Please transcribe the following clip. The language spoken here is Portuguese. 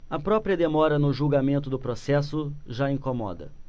a própria demora no julgamento do processo já incomoda